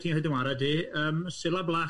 yym Cilla Black.